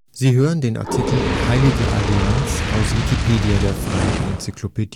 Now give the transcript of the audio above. Sie hören den Artikel Heilige Allianz, aus Wikipedia, der freien Enzyklopädie